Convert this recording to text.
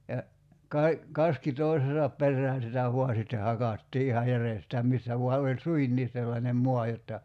ja - kaski toisensa perään sitä vain sitten hakattiin ihan järjestään missä vain oli suinkin sellainen maa jotta